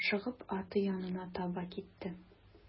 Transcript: Ашыгып аты янына таба китте.